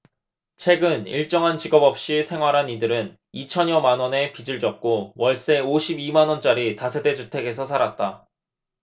최근 일정한 직업 없이 생활한 이들은 이 천여만원의 빚을 졌고 월세 오십 이 만원짜리 다세대 주택에서 살았다